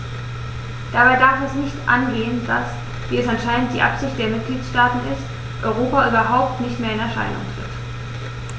Dabei darf es nicht angehen, dass - wie es anscheinend die Absicht der Mitgliedsstaaten ist - Europa überhaupt nicht mehr in Erscheinung tritt.